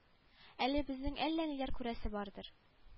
Әле безнең әллә ниләр күрәсе бардыр